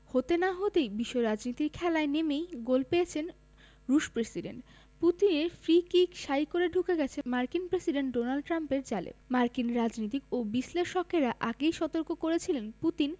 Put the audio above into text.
হতে না হতেই বিশ্ব রাজনীতির খেলায় নেমেই গোল পেয়েছেন রুশ প্রেসিডেন্ট পুতিনের ফ্রি কিক শাঁই করে ঢুকে গেছে মার্কিন প্রেসিডেন্ট ডোনাল্ড ট্রাম্পের জালে মার্কিন রাজনীতিক ও বিশ্লেষকেরা আগেই সতর্ক করেছিলেন পুতিন